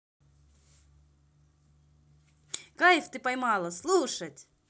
кайф ты поймала слушать